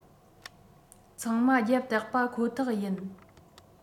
ཚང མ རྒྱབ སྟེགས པ ཁོ ཐག ཡིན